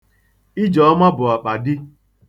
Ijeọma bụ ọkpadi.